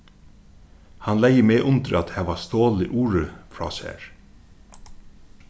hann legði meg undir at hava stolið urið frá sær